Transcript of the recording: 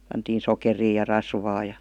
pantiin sokeria ja rasvaa ja